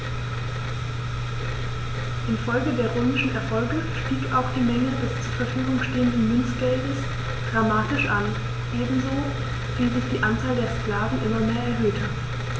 Infolge der römischen Erfolge stieg auch die Menge des zur Verfügung stehenden Münzgeldes dramatisch an, ebenso wie sich die Anzahl der Sklaven immer mehr erhöhte.